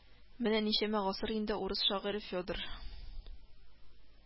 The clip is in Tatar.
Менә ничәмә гасыр инде, урыс шагыйре Федор